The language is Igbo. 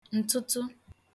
ǹtụtụ